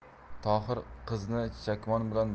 tohir qizni chakmon bilan